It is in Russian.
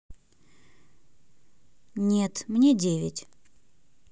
нет мне девять